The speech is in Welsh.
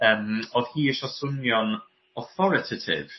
Yym o'dd hi isio swnio'n authoratative.